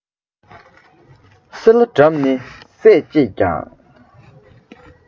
ས ལེ སྦྲམ ནི བསྲེགས བཅད ཀྱང